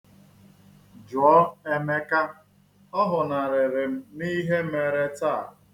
Jụọ Emeka, ọ hụnarịrị m n'ihe mere taa.